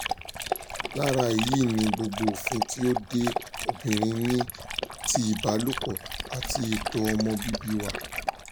Lára èyí ni gbogbo òfin tí ó de obìnrin ní ti ìbálòpọ̀ àti ẹ̀tọ́ ọmọ bíbí wà.